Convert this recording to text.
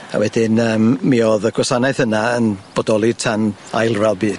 A wedyn yym mi o'dd y gwasanaeth yna yn bodoli tan ail ral byd.